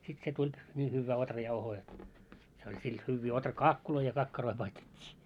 sitten se tuli niin hyvää ohrajauhoa jotta se oli sillä hyviä ohrakaakkuja ja kakkaroita paistettiin